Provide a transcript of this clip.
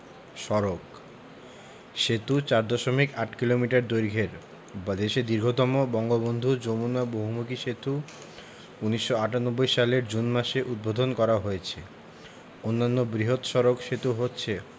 সড়কঃ সেতু ৪দশমিক ৮ কিলোমিটার দৈর্ঘ্যের দেশের দীর্ঘতম বঙ্গবন্ধু যমুনা বহুমুখী সেতু ১৯৯৮ সালের জুন মাসে উদ্বোধন করা হয়েছে অন্যান্য বৃহৎ সড়ক সেতু হচ্ছে